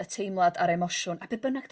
...y teimlad a'r emosiwn a be' bynnag